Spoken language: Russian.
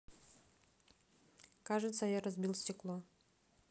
кажется я разбил стекло